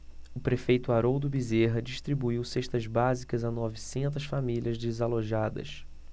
o prefeito haroldo bezerra distribuiu cestas básicas a novecentas famílias desalojadas